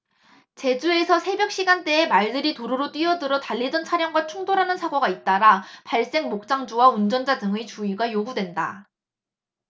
제주에서 새벽시간대에 말들이 도로로 뛰어들어 달리던 차량과 충돌하는 사고가 잇따라 발생 목장주와 운전자 등의 주의가 요구된다